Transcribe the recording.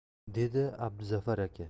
dedi abduzafar aka